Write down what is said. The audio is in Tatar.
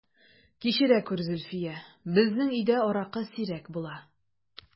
Кичерә күр, Зөлфия, безнең өйдә аракы сирәк була...